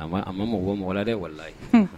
A a ma mɔgɔ mɔgɔ dɛ wala ye